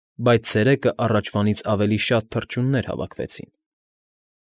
Բայց ցերեկը առաջվանից ավելի շատ թռչուններ հավաքվեցին։